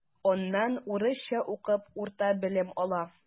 Аннан урысча укып урта белем ала.